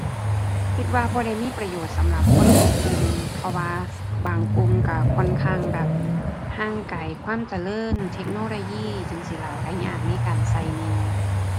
คิดว่าบ่ได้มีประโยชน์สำหรับคนทุกกลุ่ม เพราะว่าบางกลุ่มก็ค่อนข้างแบบ ห่างไกลความเจริญ เทคโนโลยีจั่งซี้ล่ะ ก็ยากในการก็แหน่